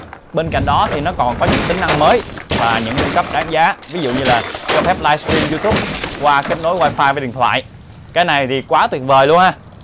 bên cạnh đó thì nó còn có những tính năng mới những nâng cấp đáng giá ví dụ như là cho phép livestrea m youtube qua kết nối wifi với điện thoại cái này thì quá tuyệt vời luôn ha